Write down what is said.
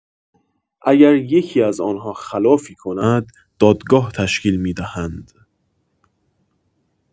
اگر یکی‌از آن‌ها خلافی کند، دادگاه تشکیل می‌دهند.